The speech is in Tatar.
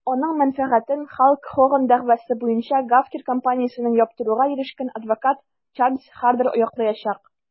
Аның мәнфәгатен Халк Хоган дәгъвасы буенча Gawker компаниясен яптыруга ирешкән адвокат Чарльз Хардер яклаячак.